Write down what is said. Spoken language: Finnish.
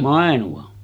Mainuan